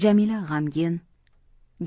jamila g'amgin